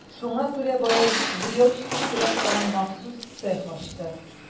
Шуңа күрә Баязит буяу җитештерә торган махсус цех ачты.